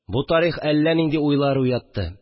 Бу тарих әллә нинди уйлар уятты